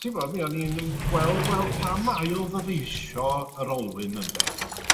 t'bod mi o'n i'n yym gweld weld pam ail ddyfeisio yr olwyn ynde?